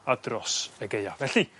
a dros y Gaea felly